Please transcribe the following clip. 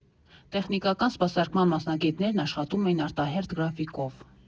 Տեխնիկական սպասարկման մասնագետներն աշխատում էին արտահերթ գրաֆիկով։